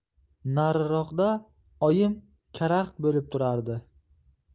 nariroqda oyim karaxt bo'lib turardi